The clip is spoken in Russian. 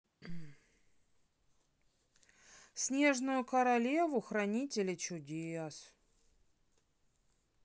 снежную королеву хранители чудес